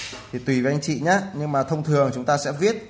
tùy anh chị nha nhưng thông thường chúng ta sẽ viết